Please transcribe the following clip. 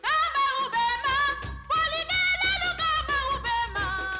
Faama bɛ ma fainɛ tɛ bɛ ma